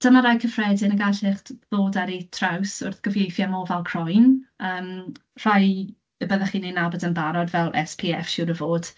Dyma rai cyffredin y gallwch d- ddod ar eu traws wrth gyfieithu am ofal croen. Yym, rhai y byddwch chi'n ei nabod yn barod fel SPF, siŵr o fod.